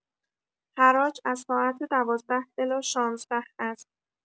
حراج از ساعت ۱۲: ۰۰ الی ۱۶: ۰۰ است